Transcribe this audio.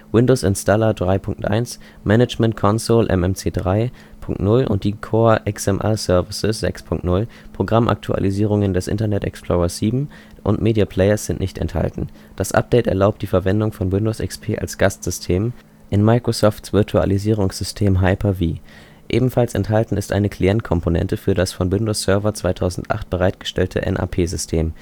Windows Installer 3.1, Management-Console (MMC) 3.0 und die Core XML Services 6.0. Programmaktualisierungen des Internet Explorers 7 und Media Players sind nicht enthalten. Das Update erlaubt die Verwendung von Windows XP als Gastsystem in Microsofts Virtualisierungssystem Hyper-V. Ebenfalls enthalten ist eine Clientkomponente für das von Windows Server 2008 bereitgestellte NAP-System